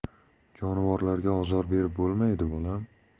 jonivorlarga ozor berib bo'lmaydi bolam